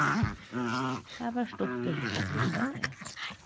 tað var stuttligt at hitta teg